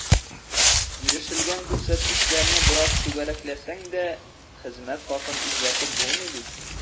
Ирешелгән күрсәткечләрне бераз “түгәрәкләсәң” дә, хезмәт хакын үзгәртеп булмый бит.